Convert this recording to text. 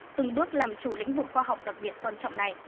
từng bước làm chủ lĩnh vực khoa học đặc biệt quan trọng này